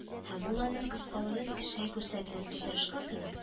Һәм ул, аның кыскалыгын кешегә күрсәтмәскә тырышкан кебек